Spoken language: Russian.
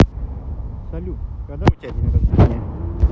салют когда у тебя день рождения